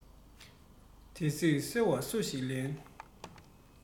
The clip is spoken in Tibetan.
དེ བསྲེགས སོལ བ སུ ཞིག ལེན